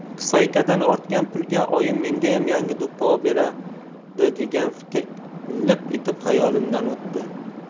pufaykadan ortgan pulga oyim mengayam yangi do'ppi oberadi degan fikr lip etib xayolimdan o'tdi